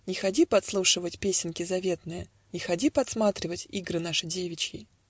Не ходи подслушивать Песенки заветные, Не ходи подсматривать Игры наши девичьи.